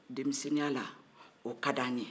denmisɛnniya la o ka di an ye